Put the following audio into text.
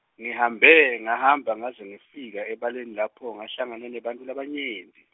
ngihambe, ngahamba ngaze ngefika ebaleni lapho ngahlangana nebantfu labanyenti.